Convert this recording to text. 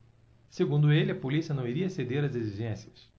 segundo ele a polícia não iria ceder a exigências